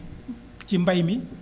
ci mbay mi